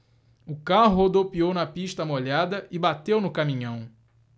o carro rodopiou na pista molhada e bateu no caminhão